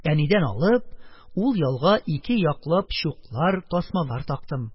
Әнидән алып, ул ялга ике яклап чуклар, тасмалар тактым.